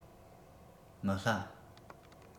མི སླ